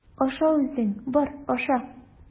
Аша үзең, бар, аша!